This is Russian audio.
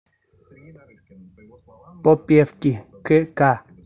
попевки к ка